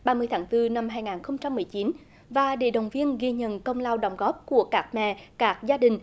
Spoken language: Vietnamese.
ba mươi tháng tư năm hai ngàn không trăm mười chín và để động viên ghi nhận công lao đóng góp của các mẹ các gia đình